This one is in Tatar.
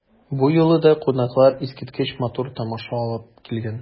Бу юлы да кунаклар искиткеч матур тамаша алып килгән.